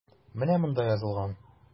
Менә монда язылган.